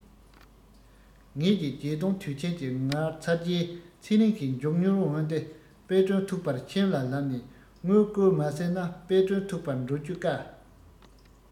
ངས ཀྱི རྒྱལ སྟོན དུས ཆེན གྱི ངལ ཚར རྗེས ཚེ རིང གི མགྱོགས མྱུར འོན ཏེ དཔལ སྒྲོན ཐུགས པར ཁྱིམ ལ ལབ ནས དངུལ བསྐུར མ ཟེར ན དཔལ སྒྲོན ཐུགས པར འགྲོ རྒྱུ དཀའ